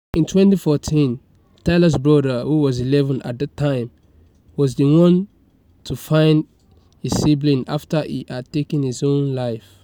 In 2014, Tyler's brother, who was 11 at the time, was the one to find his sibling after he had taken his own life.